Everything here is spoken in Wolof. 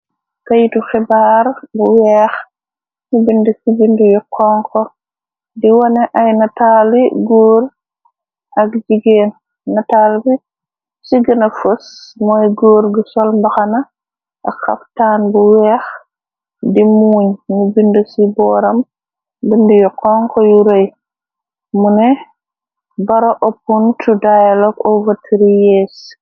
Keyetu xibaar bu weex ni bindi ci bindi yu xonko di wone ay nataali góor ak jigéen natal bi ci gëna fos mooy góur gu sol mbaxana ak xaftaan bu weex di muuñ nu bind ci booram bindi yu xonko yu rëy mëne baro open to dialogue overtree years.